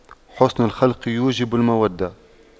حُسْنُ الخلق يوجب المودة